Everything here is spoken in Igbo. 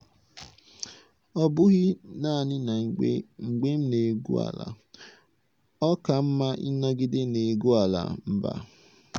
Ọ bụghị naanị na mgbe m na-egwu ala, ọ ka mma ịnọgide na-egwu ala, mba.